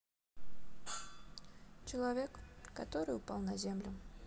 человек который упал на землю